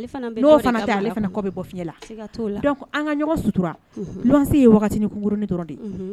Ale kɔ bɛ bɔ fi an ka sutura ye nikuru dɔrɔn de